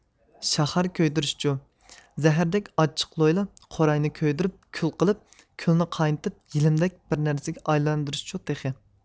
شاخار كۆيدۈرۈشچۇ زەھەردەك ئاچچىق لويلا قوراينى كۆيدۈرۈپ كۈل قىلىپ كۈلنى قاينىتىپ يېلىمدەك بىر نەرسىگە ئايلاندۇرۇشچۇ تېخى